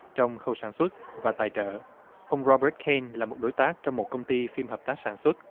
trong khâu sản xuất và tài trợ ông ro bớt kên là một đối tác trong một công ty phim hợp tác sản xuất